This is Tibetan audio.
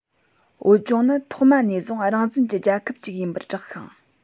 བོད ལྗོངས ནི ཐོག མ ནས བཟུང རང བཙན གྱི རྒྱལ ཁབ ཅིག ཡིན པར བསྒྲགས ཤིང